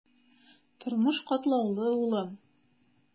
Тормыш катлаулы, улым.